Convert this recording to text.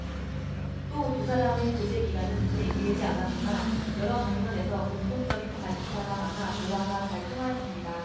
또 두 사람의 교제기간은 그리 길지 않았으나 여러 방면에서 공통적인 관심사가 많아 대화가 잘 통하였습니다